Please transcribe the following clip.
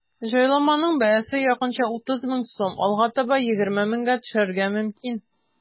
Җайланманың бәясе якынча 30 мең сум, алга таба 20 меңгә төшәргә мөмкин.